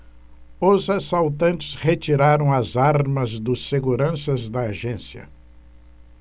os assaltantes retiraram as armas dos seguranças da agência